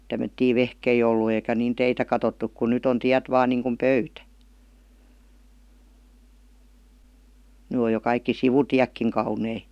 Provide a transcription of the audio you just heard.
tämmöisiä vehkeitä ollut eikä niin teitä katsottu kun nyt on tiet vain niin kuin pöytä nyt on jo kaikki sivutietkin kauniita